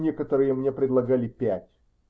Некоторые мне предлагали пять.